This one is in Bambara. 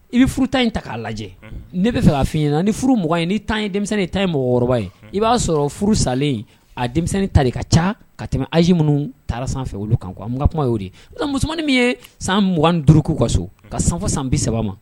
I bɛ furu tan in ta k'a lajɛ ne bɛ fɛ k ka ffin i ɲɛna na ni furuugan in ye denmisɛnnin ta ye mɔgɔkɔrɔbaba ye i b'a sɔrɔ furu salen a denmisɛnnin tali ka ca ka tɛmɛ az minnu taara san olu kan an ka kuma y'o de musomanmani min ye san m 2ugan duuruuruku ka so ka sanfa san bi saba ma